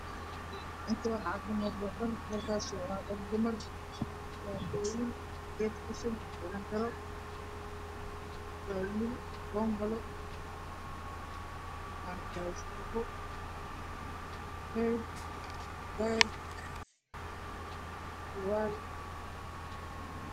Inta waxaa ka muuqda dhar boombalo